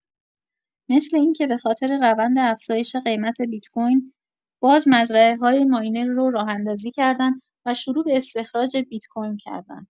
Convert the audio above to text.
مثل اینکه بخاطر روند افزایش قیمت بیت کوین، باز مزرعه‌های ماینر رو راه‌اندازی کردن و شروع به استخراج بیت کوین کردن